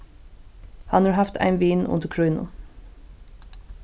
hann hevur havt ein vin undir krígnum